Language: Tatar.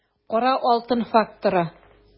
Кара алтын факторы